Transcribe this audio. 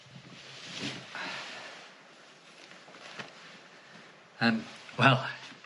Yym, wel